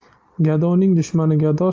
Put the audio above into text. gadoning dushmani gado